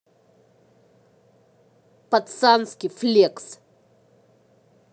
пацанский флекс